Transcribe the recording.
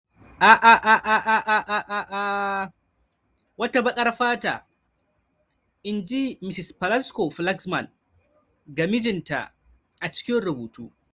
“a’aaaaaaaaaaaaaa WATA BAKAR FATA,” in ji Misis Plasco-Flaxman ga mijinta a cikin rubutu.